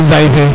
Jaay fe